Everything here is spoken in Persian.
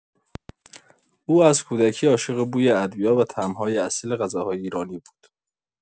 او از کودکی عاشق بوی ادویه‌ها و طعم‌های اصیل غذاهای ایرانی بود.